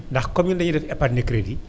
ndax comme ñun dañuy def épargne crédit